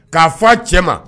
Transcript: K'a fɔ cɛ ma